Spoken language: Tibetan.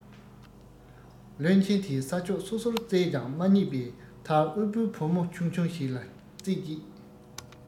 བློན ཆེན དེས ས ཕྱོགས སོ སོར བཙལ ཀྱང མ ཪྙེད པས མཐར དབུལ བོའི བུ མོ ཆུང ཆུང ཞིག ལ རྩད བཅད